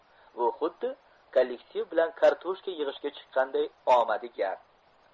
bu xuddi kollektiv bilan kartoshka yig'ishga chiqqanday omadi gap